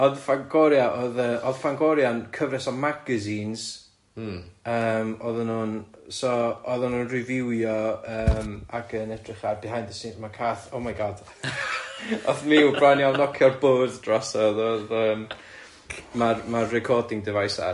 ...oedd Fangoria oedd yy oedd Fangoria'n cyfres o magazines... Mm ...yym oedden nhw'n so oedden nhw'n reviewio yym ag yn edrych ar behind the scenes- ma' cath o my god wnaeth Miw bron iawn knockio'r bwrdd drosodd oedd yym ma'r ma'r recording device ar.